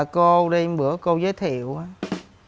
cô đi bữa cô giới thiệu ớ